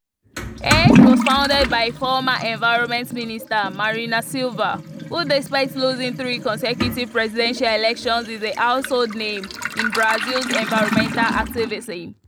Rede was founded by former Environment Minister Marina Silva, who despite losing three consecutive presidential elections is a household name in Brazil's environmental activism.